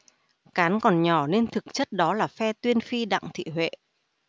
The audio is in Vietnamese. cán còn nhỏ nên thực chất đó là phe tuyên phi đặng thị huệ